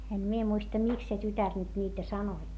en minä muista miksi se tytär nyt niitä sanoi